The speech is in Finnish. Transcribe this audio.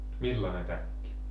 millainen täkki